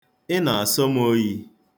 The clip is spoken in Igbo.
Ị na-asọ m oyi.